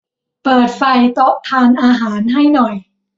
เปิดไฟโต๊ะทานอาหารให้หน่อย